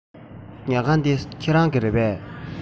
ཉལ ཁང འདི ཁྱེད རང གི རེད པས